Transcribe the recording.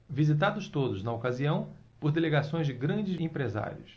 visitados todos na ocasião por delegações de grandes empresários